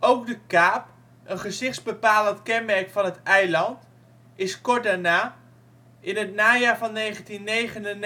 Ook de kaap, een gezichtsbepalend kenmerk van het eiland, is kort daarna, in het najaar van 1999, 150 meter